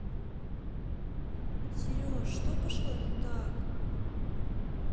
сереж что пошло не так